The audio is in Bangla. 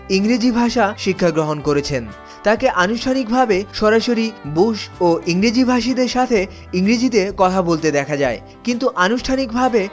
ইংরেজি ভাষা শিক্ষা গ্রহণ করেছেন তাকে আনুষ্ঠানিকভাবে সরাসরি রুশ ও ইংরেজিভাষী দের সাথে কথা বলতে দেখা যায় কিন্তু আনুষ্ঠানিকভাবে